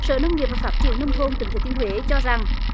sở nông nghiệp và phát triển nông thôn tỉnh thừa thiên huế cho rằng